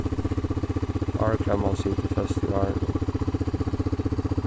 hárklemman situr føst í hárinum